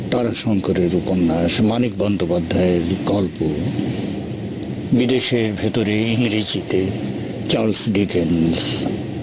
তারাশঙ্করের উপন্যাস মানিক বন্দ্যোপাধ্যায়ের গল্প বিদেশের ভেতরে ইংরেজিতে চার্লস ডিকেন্স